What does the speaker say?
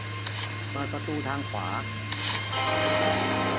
เปิดประตูทางขวา